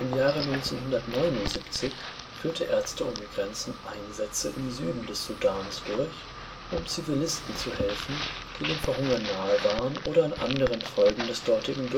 Jahre 1979 führte Ärzte ohne Grenzen Einsätze im Süden des Sudan durch, um Zivilisten zu helfen, die dem Verhungern nahe waren oder an anderen Folgen des dortigen